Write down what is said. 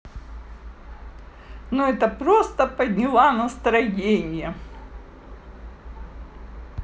ну это просто подняла настроение